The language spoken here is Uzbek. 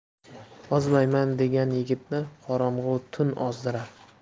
ozmayman degan yigitni qorong'u tun ozdirar